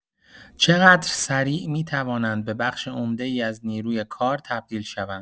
چقدر سریع می‌توانند به بخش عمده‌ای از نیروی کار تبدیل شوند؟